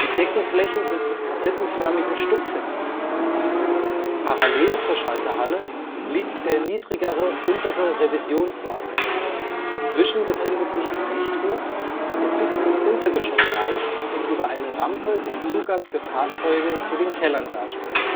Deckenflächen sind mit kassettenförmigem Stuck verziert. Parallel zur Schalterhalle liegt der niedrigere untere Revisionssaal, dazwischen befindet sich ein Lichthof, der bis zum Untergeschoss reicht und über eine Rampe den Zugang für Fahrzeuge zu den Kellern darstellt